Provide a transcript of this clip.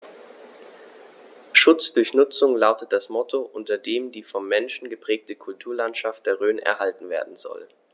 „Schutz durch Nutzung“ lautet das Motto, unter dem die vom Menschen geprägte Kulturlandschaft der Rhön erhalten werden soll.